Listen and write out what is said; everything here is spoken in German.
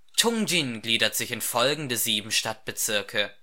’ ŏngjin gliedert sich in folgende sieben Stadtbezirke